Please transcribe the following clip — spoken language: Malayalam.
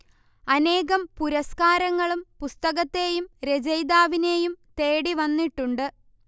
അനേകം പുരസ്കരങ്ങളും പുസ്തകത്തെയും രചയിതാവിനെയും തേടിവന്നിട്ടുണ്ട്